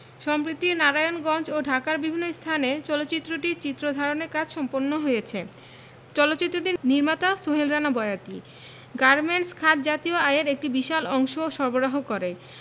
সম্প্রতি নারায়ণগঞ্জ ও ঢাকার বিভিন্ন স্থানে চলচ্চিত্রটির চিত্র ধারণের কাজ সম্পন্ন হয়েছে চলচ্চিত্রটির নির্মাতা সোহেল রানা বয়াতি গার্মেন্টস খাত জাতীয় আয়ের একটি বিশাল অংশ সরবারহ করে